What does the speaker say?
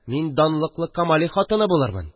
Мин данлыклы Камали хатыны булырмын